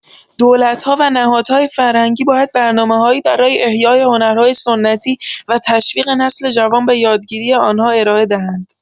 دولت‌ها و نهادهای فرهنگی باید برنامه‌‌هایی برای احیای هنرهای سنتی و تشویق نسل جوان به یادگیری آن‌ها ارائه دهند.